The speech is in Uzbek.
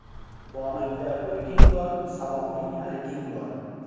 bog'ingda o'riging bor saloming aliging bor